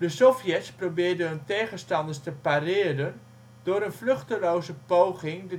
Sovjets probeerden hun tegenstanders te pareren door een vruchteloze poging